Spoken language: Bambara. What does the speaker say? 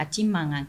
A' manga